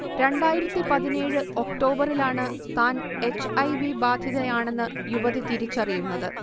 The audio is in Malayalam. രണ്ടായിരത്തി പതിനേഴ് ഒക്ടോബറിലാണ് താൻ എച്ച്. ഐ. വി ബാധിതയാണെന്ന് യുവതി തിരിച്ചറിയുന്നത്